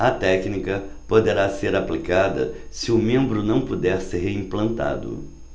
a técnica poderá ser aplicada se o membro não puder ser reimplantado